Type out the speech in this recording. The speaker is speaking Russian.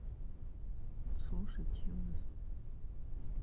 слушать юность